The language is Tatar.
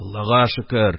— аллага шөкер